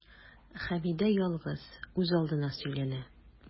Хәмидә ялгыз, үзалдына сөйләнә.